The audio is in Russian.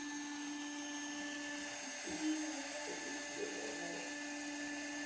ты не можешь мне помочь